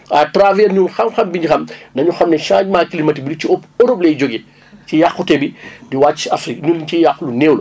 à travers ñun xam-xam bi ñu xam nañu xam ne changement climatique bi lu ci ëpp Europe lay jógee ci yàqute bi di wàcc si afrique ñun ci yàq lu néew la